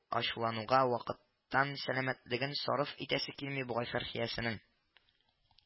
-ачулануга вакыттан-сәламәтлеген сарыф итәсе килми бугай фәрхиясенең